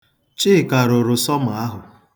Chika rụrụ sọm ahụ.